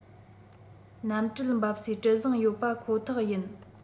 གནམ གྲུ འབབ སའི གྲུ གཟིངས ཡོད པ ཁོ ཐག ཡིན